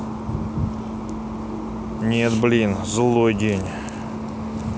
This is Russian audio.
нет блин злой день